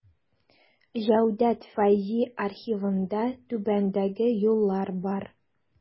Җәүдәт Фәйзи архивында түбәндәге юллар бар.